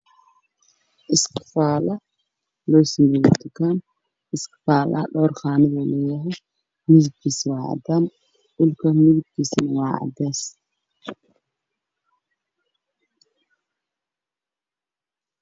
Waa iskifaalo midabkiis yahay caddaan